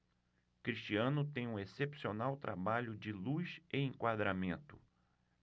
cristiano tem um excepcional trabalho de luz e enquadramento